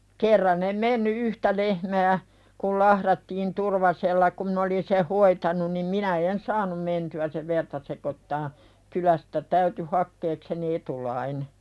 kerran en mennyt yhtä lehmää kun lahdattiin Turvasella kun minä olin sen hoitanut niin minä en saanut mentyä sen verta sekoittamaan kylästä täytyi hakeakseni etulainen